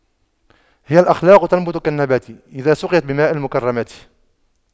هي الأخلاق تنبت كالنبات إذا سقيت بماء المكرمات